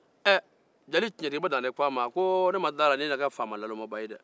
ɛ jeli tiɲɛtigiba dantɛ ko ne ma d'a la ne kɛ faama nalomaba ye dɛ